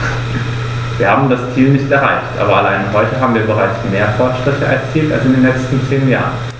Wir haben das Ziel nicht erreicht, aber allein heute haben wir bereits mehr Fortschritte erzielt als in den letzten zehn Jahren.